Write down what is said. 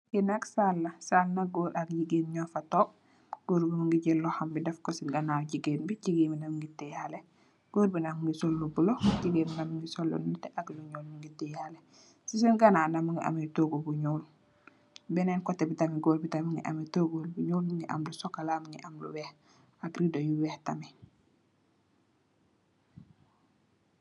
Fii nak saal la, saal nak goor ak jigeen nyu fa toog, goor bi mingi jal loxom bi def ko si ganaaw jigeen bi, jigeen bi tam mingi tiye hale, goor bi nak mingi sol lu bula, jigeen bi naql mingi sol lu nete ak lu nyuul, mingi tiye hale, sen gannaw nak mingi amme toogu bu nyuul, benne kote bi tamin goor bi tamit mingi am toogu bu nyuul, mingi am lu sokola, mingi am lu weex ak rido yu weex tamin,